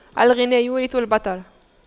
الغنى يورث البطر